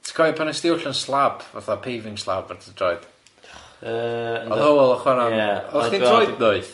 Ti'n cofio pan nes di ollwng slab fatha paving slab ar dy droed? Yy yndw... O'dd Hywel yn chwara... Ia... odda chdi'n droed noeth?